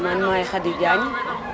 man maay Khady Diagne